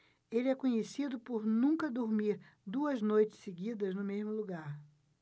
ele é conhecido por nunca dormir duas noites seguidas no mesmo lugar